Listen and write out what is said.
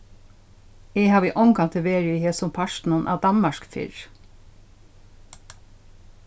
eg havi ongantíð verið í hesum partinum av danmark fyrr